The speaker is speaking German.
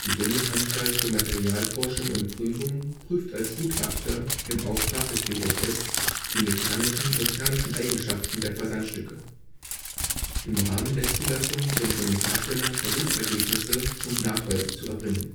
Bundesanstalt für Materialforschung und - prüfung (BAM) prüft als Gutachter im Auftrag des BfS die mechanischen und thermischen Eigenschaften der Versandstücke. Im Rahmen der Zulassung sind von den Herstellern Versuchsergebnisse und Nachweise zu erbringen